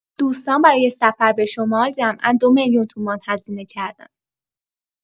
دوستان برای سفر به شمال جمعا دو میلیون تومان هزینه کردند.